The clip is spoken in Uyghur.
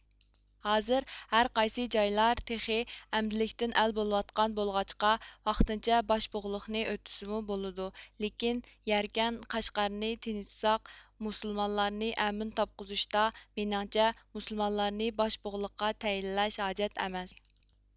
ھازىر ھەرقايسى جايلار تېخى ئەمدىلىكتىن ئەل بولۇۋاتقان بولغاچقا ۋاقتىنچە باشبۇغىلىقنى ئۆتىسىمۇ بولىدۇ لېكىن يەركەن قەشقەرنى تىنجىتساق مۇسۇلمانلارنى ئەمىن تاپقۇزۇشتا مېنىڭچە مۇسۇلمانلارنى باشبۇغلىققا تەيىنلەش ھاجەت ئەمەس